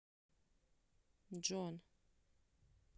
джон